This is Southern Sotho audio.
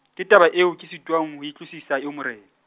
ke taba eo ke sitwang ho e utlwisisa, eo Morena.